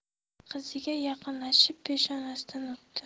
qiziga yaqinlashib peshonasidan o'pdi